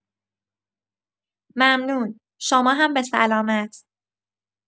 ممنون، شما هم به سلامت.